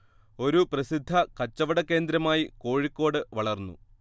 ഒരു പ്രസിദ്ധ കച്ചവട കേന്ദ്രമായി കോഴിക്കോട് വളർന്നു